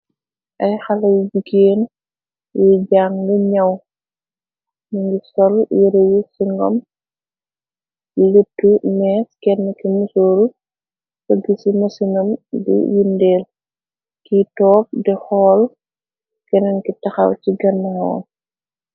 Ay xalay jigéen yuy janga nyaw. Ni ngi sol yere yu si ngom litu mees kenn ki musooru fëggi ci mësinam di yundeel kiy toob di xool kenen ki taxaw ci gannawam.